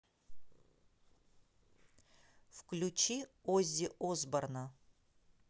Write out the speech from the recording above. включи оззи осборна